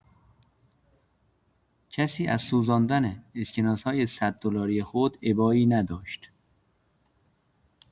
کسی از سوزاندن اسکناس‌های صددلاری خود ابایی نداشت.